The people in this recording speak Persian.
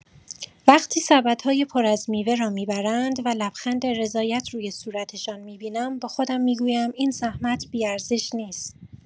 وقتی سبدهای پر از میوه را می‌برند و لبخند رضایت روی صورتشان می‌بینم با خودم می‌گویم این زحمت بی‌ارزش نیست.